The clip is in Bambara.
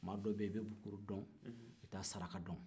maa dɔ bɛ yen i bɛ buguri dɔn i ta saraka dɔn